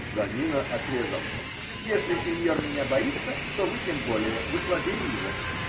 Джаннино отрезал: -- Если синьор меня боится, то вы тем более -- вы слабее его.